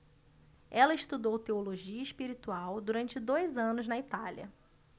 ela estudou teologia espiritual durante dois anos na itália